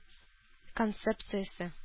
Концепциясе